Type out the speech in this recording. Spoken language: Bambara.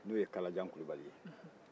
n'o ye kalajan kulubali ye